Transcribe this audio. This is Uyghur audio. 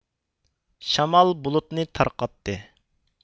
شامال بۇلۇتنى تارقاتتى